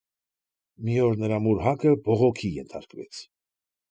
Մի օր նրա մուրհակը բողոքի ենթարկվեց։